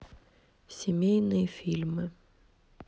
семейные фильмы